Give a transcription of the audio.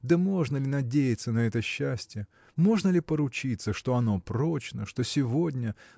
да можно ли надеяться на это счастье? можно ли поручиться что оно прочно что сегодня